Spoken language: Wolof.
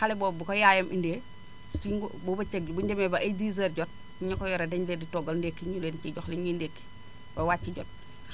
xale boobu bu ko yaayam indee si ngo bu bëccëgee bu ñu demee ba ay 10h jot ña ko yore dañu leen di toggal ndéki ñu leen ciy jox li ñuy ndéki ba wàcc jot